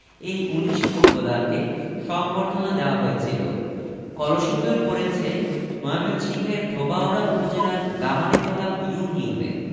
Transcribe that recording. এই ১৯ ফুটবলারকে সংবর্ধনা দেওয়া হয়েছিল কলসিন্দুর পড়েছে ময়মনসিংহের ধোবাউড়া উপজেলার গামারিতলা ইউনিয়নে